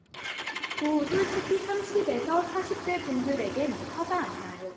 구 솔직히 삼십 에서 사십 대 분들에겐 화가 안 나요